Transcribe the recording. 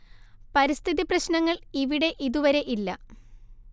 പരിസ്ഥിതി പ്രശ്നങ്ങൾ ഇവിടെ ഇതുവരെ ഇല്ല